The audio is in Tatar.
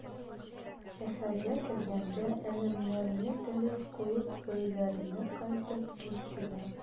Шәһәргә кергәндә әләмнәрне төреп куеп өйләренә кайтып киттеләр.